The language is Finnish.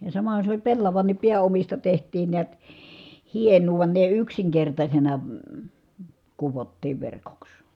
ja samahan se oli pellavankin pääomista tehtiin näet hienoa vaan ne yksinkertaisena kudottiin verkoksi